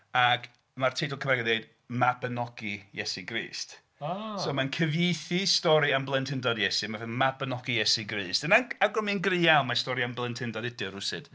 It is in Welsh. Ac mae'r teitl Cymraeg yn dweud 'Mabinogi Iesu Grist'... A!... So, mae'n cyfieithu stori am blentyndod Iesu mae fe 'Mabinogi Iesu Grist' a'n awygrymu'n gryf iawn mai stori am blentyndod ydi o rywsut.